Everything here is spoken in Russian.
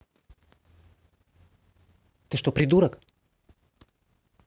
ты что придурок